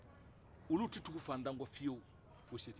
olu tɛ tugu faantan kɔ fiyew fo setigiw